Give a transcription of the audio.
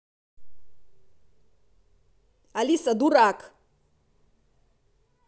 алиса дурак